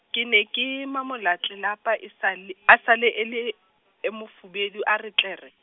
ke ne ke mamola tlelapa e sale, a sale e le, e mofubedu a re tlere.